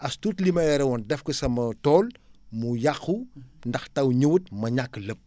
as tuut li ma yore woon def ko sama tool mu yàqu ndax taw ñëwut ma ñàkk lépp